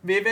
weer